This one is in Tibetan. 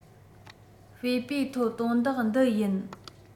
དཔེ པོས ཐོ དོན དག འདི ཡིན